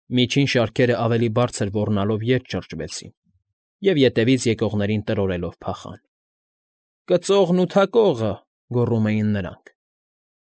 Միջին շարքերը ավելի բարձր ոռնալով ետ շրջվեցին և ետևից եկողներին տրորելով փախան։ «Կծողն ու Թակողը»,֊ գոռում էին նրանք։